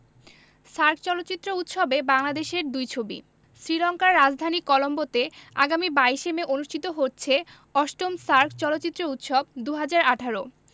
SAARC চলচ্চিত্র উৎসবে বাংলাদেশের দুই ছবি শ্রীলংকার রাজধানী কলম্বোতে আগামী ২২ মে অনুষ্ঠিত হচ্ছে ৮ম সার্ক চলচ্চিত্র উৎসব ২০১৮